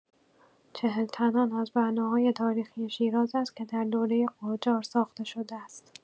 چهل‌تنان از بناهای تاریخی شیراز است که در دوره قاجار ساخته شده است.